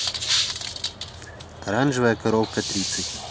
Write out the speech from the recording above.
оранжевая коровка зо